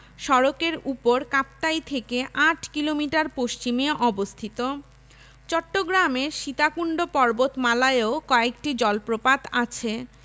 সড়কের উপর কাপ্তাই থেকে ৮ কিলোমিটার পশ্চিমে অবস্থিত চট্টগ্রামের সীতাকুন্ড পর্বতমালায়ও কয়েকটি জলপ্রপাত আছে